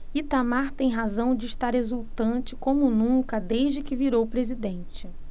itamar tem razão de estar exultante como nunca desde que virou presidente